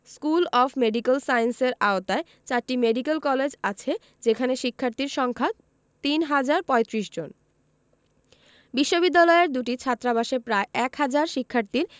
school of medical সায়েন্সের আওতায় চারটি মেডিক্যাল কলেজ আছে যেখানে শিক্ষার্থীর সংখ্যা ৩ হাজার ৩৫ জন বিশ্ববিদ্যালয়ের দুটি ছাত্রাবাসে প্রায় এক হাজার শিক্ষার্থীর